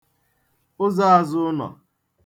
ụzọāzụ̄ụ̄nọ̀